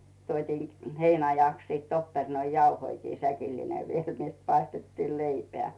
tuotiin heinäajaksi sitten oppernoijauhojakin säkillinen vielä että paistettiin leipää